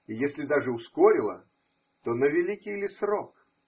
И если даже ускорила, то на великий ли срок?